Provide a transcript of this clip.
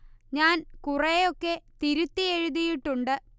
ഞാൻ കുറെ ഒക്കെ തിരുത്തി എഴുതിയിട്ടുണ്ട്